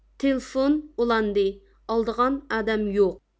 تېلېفون ئۇلاندى ئالىدىغان ئادەم يوق